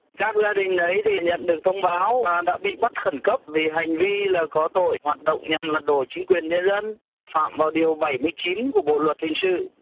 các gia đình đấy thì nhận được thông báo à đã bị bắt khẩn cấp vì hành vi là có tội hoạt động nhằm lật đổ chính quyền nhân dân phạm vào điều bảy mươi chín của bộ luật hình sự